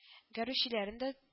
Гәрүчи-ләрен дә